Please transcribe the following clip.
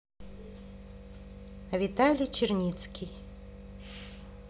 виталий черницкий